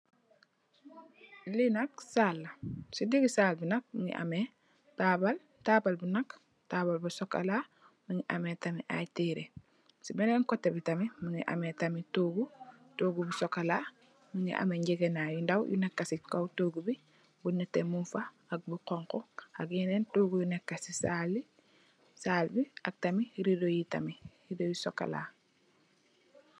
Li nak saal la, ci biir saal bi nak mungi ame taabal, taabal bi nak taabal bu sokola, ame tamit ay tereh. Ci beneen coteh bi tamit mungi ame toguh, toguh bu sokola mungi ame ngegenai yu ndaw yu neka ci kaw toguh bi bu neteh mungfa, bu xonxo ak yenen toguh yu nekq ci saal bi ak riddo yo tamit, riddo yu sokola.